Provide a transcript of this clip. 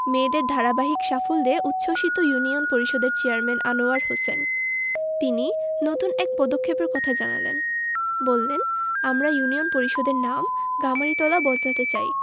মেয়েদের ধারাবাহিক সাফল্যে উচ্ছ্বসিত ইউনিয়ন পরিষদের চেয়ারম্যান আনোয়ার হোসেন তিনি নতুন এক পদক্ষেপের কথা জানালেন বললেন আমরা ইউনিয়ন পরিষদের নাম গামারিতলা বদলাতে চাই